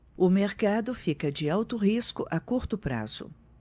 o mercado fica de alto risco a curto prazo